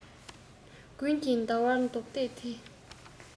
དགུང གི ཟླ བར གདོང གཏད དེ